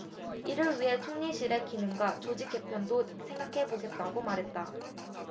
이를 위해 총리실의 기능과 조직 개편도 생각해보겠다고고 말했다